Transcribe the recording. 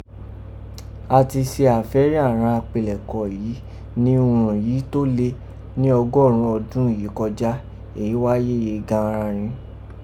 A ti se afẹ́rí àghan àpilẹ̀kọ yìí ní urun yìí tó lé ni ọgọ́rùn ún ọdọ́n yìí kọjá, èyí wa yéye gan an rin.